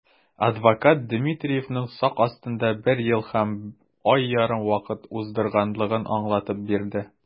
Адвокат Дмитриевның сак астында бер ел һәм ай ярым вакыт уздырганлыгын аңлатып бирде.